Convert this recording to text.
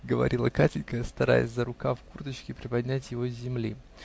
-- говорила Катенька, стараясь за рукав курточки приподнять его с земли.